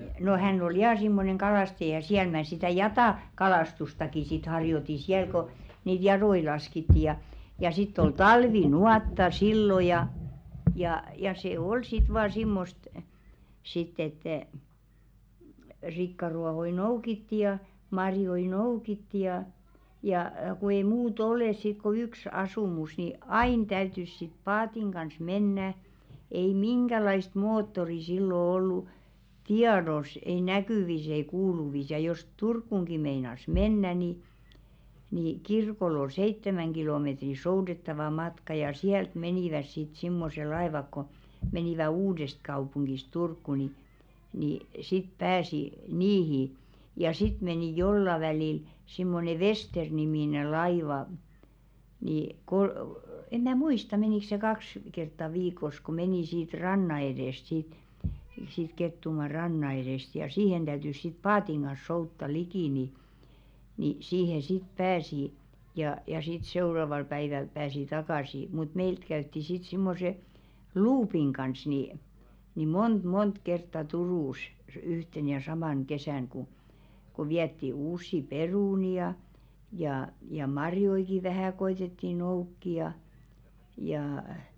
no hän oli ja semmoinen kalastaja siellä minä sitä - jatakalastustakin sitten harjoitin siellä kun niitä jatoja laskettiin ja ja sitten oli talvinuotta silloin ja ja ja se oli sitten vain semmoista sitten että ei rikkaruohoja noukittiin ja marjoja noukittiin ja ja kun ei muuta ole sitten kuin yksi asumus niin aina täytyi sitten paatin kanssa mennä ei minkälaista moottoria silloin ollut tiedossa ei näkyvissä ei kuuluvissa ja jos Turkuunkin meinasi mennä niin niin kirkolle oli seitsemän kilometriä soudettava matka ja sieltä menivät sitten semmoiset laivat kun menivät Uudestakaupungista Turkuun niin niin sitten pääsi niihin ja sitten meni jollakin välillä semmoinen Vester-niminen laiva niin - en minä muista menikö se kaksi kertaa viikossa kun meni siitä rannan edestä sitten siitä Kettumaan rannan edestä ja siihen täytyi sitten paatin kanssa soutaa liki niin niin siihen sitten pääsi ja ja sitten seuraavalla päivällä pääsi takaisin mutta meiltä käytiin sitten semmoisen luupin kanssa niin niin monta monta kertaa Turussa yhtenä ja samana kesänä kun kun vietiin uusia perunoita ja ja ja marjojakin vähän koetettiin noukkia ja ja